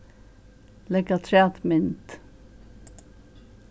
legg afturat mynd